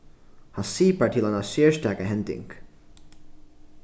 hann sipar til eina serstaka hending